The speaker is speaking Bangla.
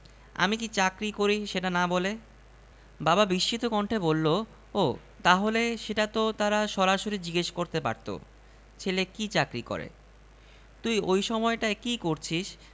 সেটি জানতে চেয়েছেভেবে আমি সেদিন তেমন জবাব দিয়েছি